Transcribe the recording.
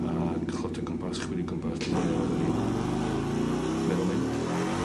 Ag chwilota o gwmpas chwili o gwmpas lle odden ni'n meddwl mynd a...